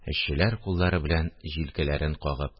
Эшчеләр, куллары белән җилкәләрен кагып